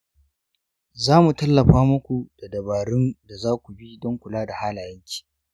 za mu tallafa muku da dabarun da za ku bi don kula da halayenki.